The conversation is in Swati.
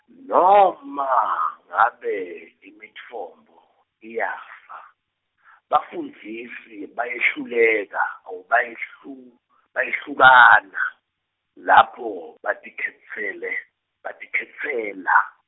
noma, ngabe, imitfombo, iyafa , bafundzisi bayehluleka, awu bayehlu- bayehlukana, lapho, batikhetsele, batikhetsela.